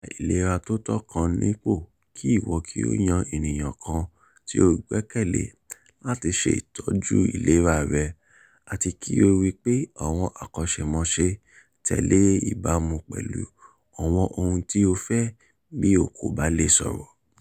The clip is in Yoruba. Gba ìlera tótọ́ kan ní ipò kí ìwọ kí o yan ènìyàn kan tí o gbẹ́kẹ̀lé láti ṣètọ́jú ìlera rẹ àti kí o ri pé àwọn akọ́ṣẹ́mọṣẹ́ tẹ̀lé e ìbamu pẹ̀lú àwọn ohun tí o fẹ́ bí o kò bá lẹ̀ sòrò.